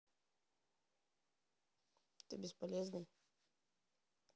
ты бесполезный